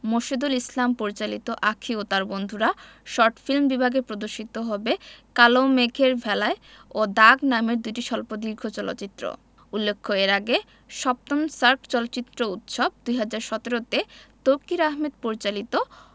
মোরশেদুল ইসলাম পরিচালিত আঁখি ও তার বন্ধুরা শর্ট ফিল্ম বিভাগে প্রদর্শিত হবে কালো মেঘের ভেলায় ও দাগ নামের দুটি স্বল্পদীর্ঘ চলচ্চিত্র উল্লেখ্য এর আগে ৭ম সার্ক চলচ্চিত্র উৎসব ২০১৭ তে তৌকীর আহমেদ পরিচালিত